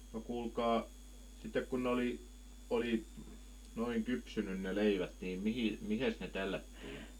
no kuulkaa sitten kun ne oli oli noin kypsynyt ne leivät niin - mihinkäs ne tällättiin